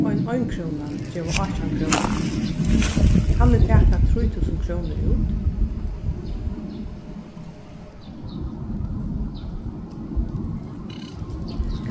og ein einkróna geva átjan krónur kann eg taka trý túsund krónur út